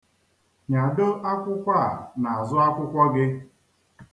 Nyado akwụkwọ a n'azụ akwụkwọ gị.